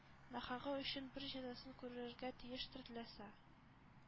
Нахагы өчен бер җәзасын күрергә тиештер ләса?